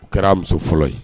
O kɛra muso fɔlɔ ye